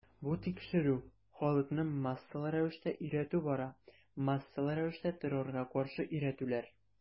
Бу тикшерү, халыкны массалы рәвештә өйрәтү бара, массалы рәвештә террорга каршы өйрәтүләр.